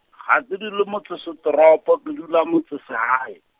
ga ke dule motsesetoropo, ke dula motse segae.